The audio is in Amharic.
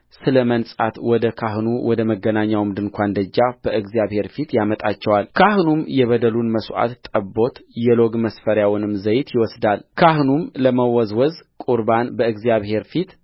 ስለ መንጻት ወደ ካህኑ ወደ መገናኛው ድንኳን ደጃፍ በእግዚአብሔር ፊት ያመጣቸዋልካህኑም የበደሉን መሥዋዕት ጠቦት የሎግ መስፈሪያውንም ዘይት ይወስዳል ካህኑም ለመወዝወዝ ቍርባን በእግዚአብሔር ፊት